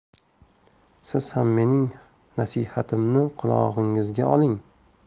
siz ham mening nasihatimni qulog'ingizga oling